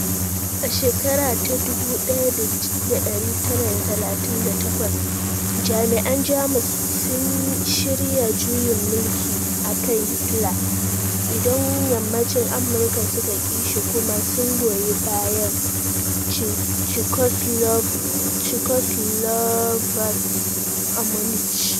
A shekara ta 1938, jami'an Jamus sun shirya juyin mulki a kan Hitler, idan Yammacin Amurka suka ki shi kuma sun goyi bayan Czechoslovaks a Munich.